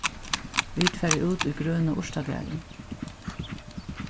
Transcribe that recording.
vit fara út í grøna urtagarðin